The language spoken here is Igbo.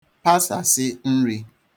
pasàsi nri